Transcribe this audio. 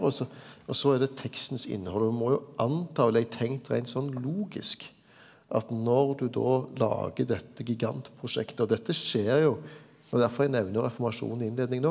og så og så er det tekstens innhald og me må jo anta ville eg tenkt reint sånn logisk at når du då lagar dette gigantprosjektet og dette skjer jo det var derfor eg nemner reformasjonen i innleiinga òg.